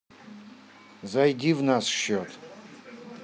зайди в наш счет